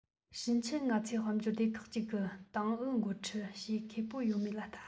ཕྱིན ཆད ང ཚོས དཔལ འབྱོར སྡེ ཁག ཅིག གི ཏང ཨུ འགོ ཁྲིད བྱེད མཁས པོ ཡོད མེད ལ བལྟ